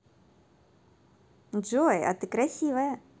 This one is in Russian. джой а ты красивая